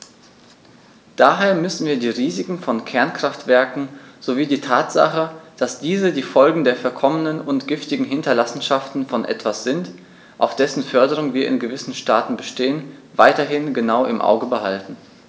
Daher müssen wir die Risiken von Kernkraftwerken sowie die Tatsache, dass diese die Folgen der verkommenen und giftigen Hinterlassenschaften von etwas sind, auf dessen Förderung wir in gewissen Staaten bestehen, weiterhin genau im Auge behalten.